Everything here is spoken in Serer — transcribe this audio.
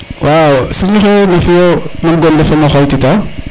waw Serigne noxe na fio nam gonle fo mam o xoytita